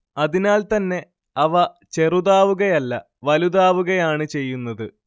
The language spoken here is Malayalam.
അതിനാൽത്തന്നെ അവ ചെറുതാവുകയല്ല വലുതാവുകയാണ്‌ ചെയ്യുന്നത്